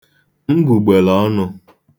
mgbùgbèlè ọnụ̄